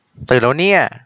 ตื่นแล้วเนี่ย